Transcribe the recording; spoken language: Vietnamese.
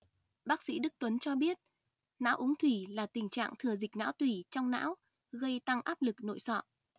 bác sĩ đức tuấn cho biết não úng thủy là tình trạng thừa dịch não tủy trong não gây tăng áp lực nội sọ